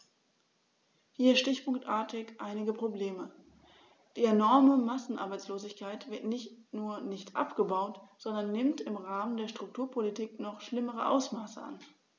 Hier stichpunktartig einige Probleme: Die enorme Massenarbeitslosigkeit wird nicht nur nicht abgebaut, sondern nimmt im Rahmen der Strukturpolitik noch schlimmere Ausmaße an.